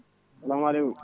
salamu aleykum